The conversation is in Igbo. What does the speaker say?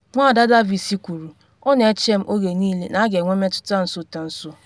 Nwada Davis kwuru: “Ọ na eche m oge niile na a ga-enwe mmetụta nsotanso.”